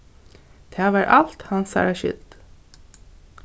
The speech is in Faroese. tað var alt hansara skyld